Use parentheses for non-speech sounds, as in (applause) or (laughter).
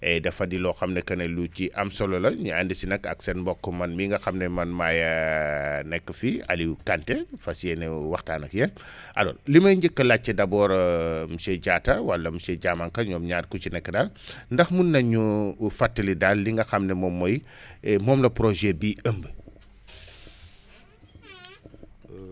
et dafa di loo xam ne que ne lu ci am solo la ñu ànd si nag ak seen mbokk man mii nga xam ne man maay (hesitation) nekk fii Aliou Kanté fas yéene waxtaan ak yéen (breath) alors li may njëkk a laajte d' abord (hesitation) monsieur Diatta wala monsieur Diamanka ñoom ñaar ku ci nekk daal (breath) ndax mun nañu fàttali daal li nga xam ne moom mooy (breath) moom la projet bi ëmb (noise)